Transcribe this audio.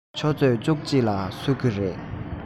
ཆུ ཚོད བཅུ གཅིག ལ གསོད ཀྱི རེད